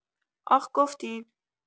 آخ گفتید!